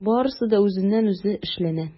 Барысы да үзеннән-үзе эшләнә.